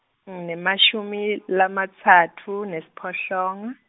nginemashumi, lamatsatfu nesiphohlongo.